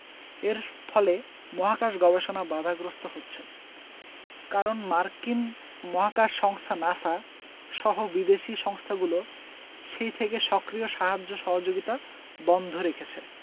এর ফলে মহাকাশ গবেষণা বাধাগ্রস্ত হচ্ছে কারণ মার্কিন মহাকাশ সংস্থা নাসা সহ বিদেশি সংস্থাগুলো সেই থেকে সক্রিয় সাহায্য সহযোগিতা বন্ধ রেখেছে